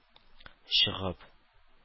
Чыгып